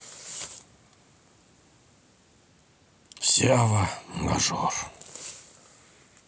сява мажор